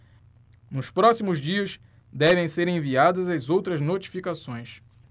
nos próximos dias devem ser enviadas as outras notificações